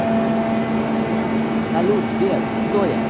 салют сбер кто я